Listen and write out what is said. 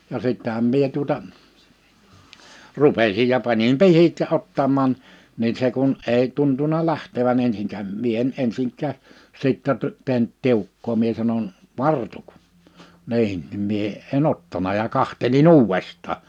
ja sittenhän minä tuota rupesin ja panin pihdit ja ottamaan niin se kun ei tuntunut lähtevän ensinkään minä en ensinkään sitten - tehnyt tiukkaa minä sanon vartu niin niin minä en ottanut ja katselin uudestaan